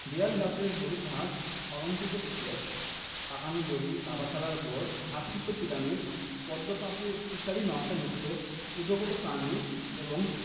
দেয়ালগাত্রের বহির্ভাগ অলঙ্কৃত ইটের পাকানো দড়ি দাবা খেলার বোর্ড ধাপকৃত পিরামিডপদ্ম পাপড়ি ইত্যাদি নকশাযুক্ত উদ্গত কার্নিস এবং